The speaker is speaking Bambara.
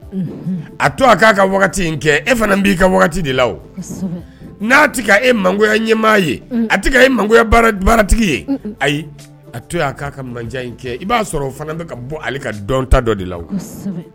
A toa ka kɛ e fana b' ka de la o'a tɛ e mangoya ɲɛmaa ye a e mangoya baaratigi ye ayi a to ka man in kɛ i b'a sɔrɔ fana bɛka ka bɔ ale ka dɔn ta dɔ de la